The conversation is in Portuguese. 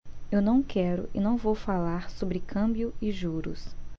eu não quero e não vou falar sobre câmbio e juros